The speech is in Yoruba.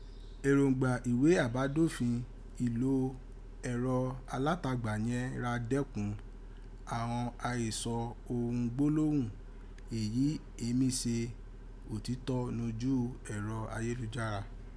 Èròńgbà ìwé àbádòfin ìlò ẹ̀rọ alátagbà yẹ̀n ra dẹ́kun aghon àhesọ òghun gbólóhùn èyí éè mi se òtítọ́ nojú ẹ̀rọ ayélujára.